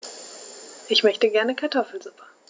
Ich möchte gerne Kartoffelsuppe.